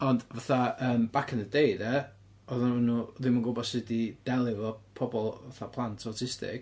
Ond fatha, yym, back in the day de, oedden nhw ddim yn gwbod sut i delio efo pobl fatha plant autistic.